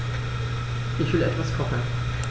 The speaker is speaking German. Ich will etwas kochen.